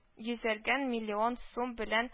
Йөзәргән миллион сум белән